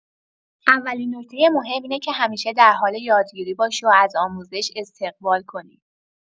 اولین نکته مهم اینه که همیشه در حال یادگیری باشی و از آموزش استقبال کنی.